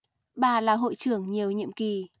bà là hội trưởng nhiều nhiệm kỳ